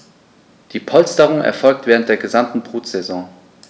Diese Polsterung erfolgt während der gesamten Brutsaison.